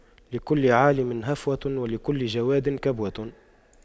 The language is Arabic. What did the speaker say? لكل عالِمٍ هفوة ولكل جَوَادٍ كبوة